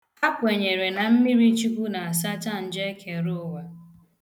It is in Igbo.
Ha kwenyere na mmirichukwu na-asacha njọ ekereụwa.